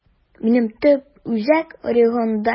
Минем төп үзәк Орегонда.